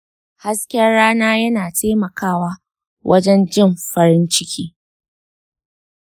hasken rana yana taimakawa wajan jin farin ciki.